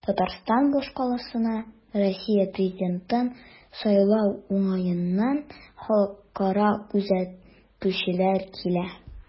Татарстан башкаласына Россия президентын сайлау уңаеннан халыкара күзәтүчеләр килә.